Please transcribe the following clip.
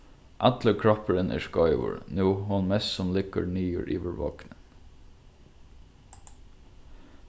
allur kroppurin er skeivur nú hon mest sum liggur niður yvir vognin